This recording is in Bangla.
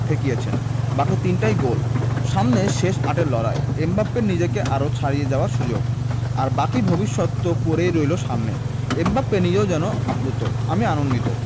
ঠেকিয়েছেন বাকি তিনটাই গোল সামনে শেষ আটের লড়াই এমবাপ্পের নিজেকে আরও ছাড়িয়ে যাওয়ার সুযোগ আর বাকি ভবিষ্যৎ তো পড়েই রইল সামনে এমবাপ্পে নিজেও যেন আপ্লুত আমি আনন্দিত